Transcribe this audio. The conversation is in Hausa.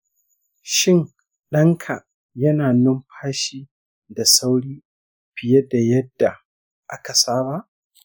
shin ɗanka yana numfashi da sauri fiye da yadda aka saba?